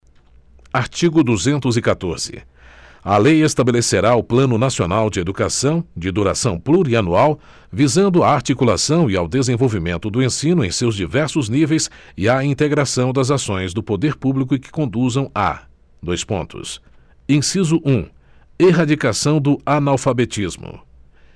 artigo duzentos e catorze a lei estabelecerá o plano nacional de educação de duração plurianual visando à articulação e ao desenvolvimento do ensino em seus diversos níveis e à integração das ações do poder público que conduzam à dois pontos inciso um erradicação do analfabetismo